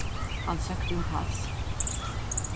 hann søkti um pass